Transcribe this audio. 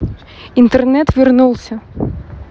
интернет вернулся